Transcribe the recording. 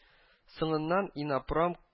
Соңыннан “ИННОПРОМ”